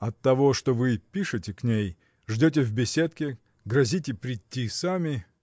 — От того, что вы пишете к ней, ждете в беседке, грозите прийти сами.